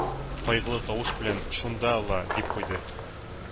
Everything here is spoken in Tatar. Кайгылы тавыш белән: шунда ла...- дип куйды.